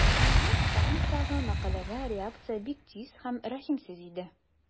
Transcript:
New York Times'тагы мәкаләгә реакция бик тиз һәм рәхимсез иде.